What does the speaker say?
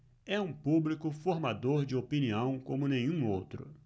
é um público formador de opinião como nenhum outro